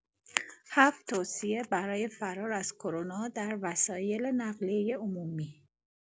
۷ توصیه برای فرار از کرونا در وسایل نقلیه عمومی